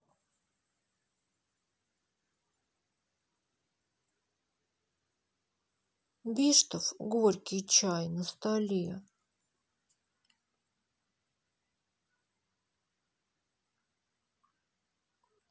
биштов горький чай на столе